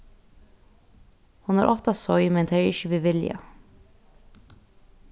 hon er ofta sein men tað er ikki við vilja